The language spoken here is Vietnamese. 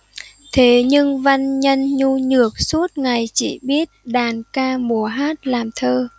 thế nhưng văn nhân nhu nhược suốt ngày chỉ biết đàn ca múa hát làm thơ